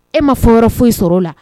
E ma fɔ foyi sɔrɔla o la